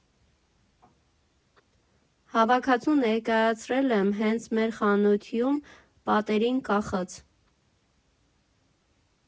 Հավաքածուն ներկայացրել եմ հենց մեր խանությում՝ պատերին կախած։